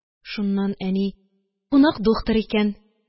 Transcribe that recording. Шуннан әни: – Кунак духтыр икән.